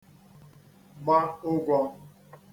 gba ụgwọ̄